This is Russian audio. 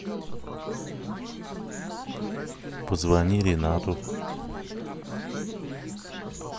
позвони ренату